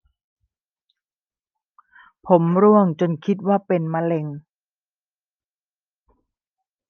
ผมร่วงจนคิดว่าเป็นมะเร็ง